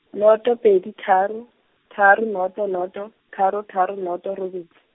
noto pedi tharo, tharo noto noto, tharo tharo noto robedi.